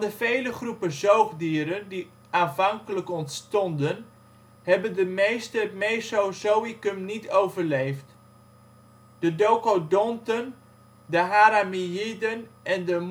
vele groepen zoogdieren die aanvankelijk ontstonden hebben de meeste het Mesozoïcum niet overleefd. De docodonten, de haramiyiden en de